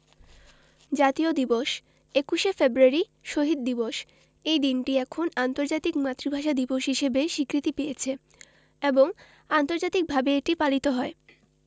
জাতীয় দিবসঃ ২১শে ফেব্রুয়ারি শহীদ দিবস এই দিনটি এখন আন্তর্জাতিক মাতৃভাষা দিবস হিসেবে স্বীকৃতি পেয়েছে এবং আন্তর্জাতিকভাবে এটি পালিত হয়